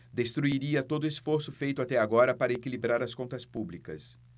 destruiria todo esforço feito até agora para equilibrar as contas públicas